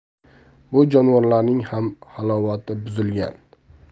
bu jonivorlarning ham halovati buzilgan